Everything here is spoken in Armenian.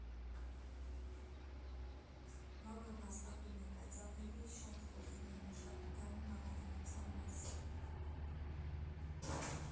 Նոնան հաստատում է, բայց ավելի շատ խոսում է մշակութային բաղադրության մասին.